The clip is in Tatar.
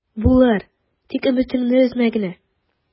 Булыр, тик өметеңне өзмә генә...